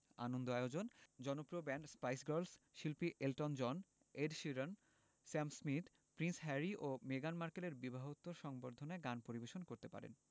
আনন্দ আয়োজন জনপ্রিয় band Spice Girls শিল্পী Elton John Ed Sheeran Sam Smith Prince Harry ও মেগান মার্কেলের বিবাহোত্তর সংবর্ধনায় গান পরিবেশন করতে পারেন